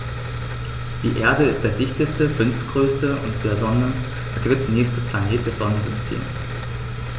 Die Erde ist der dichteste, fünftgrößte und der Sonne drittnächste Planet des Sonnensystems.